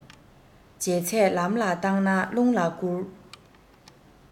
བྱས ཚད ལམ ལ བཏང ན རླུང ལ བསྐུར